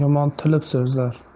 yomon tilib so'zlar